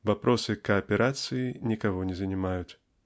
вопросы кооперации никого не занимают.